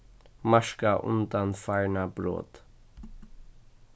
marka undanfarna brot